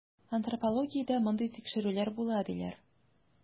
Антропологиядә мондый тикшерүләр була, диләр.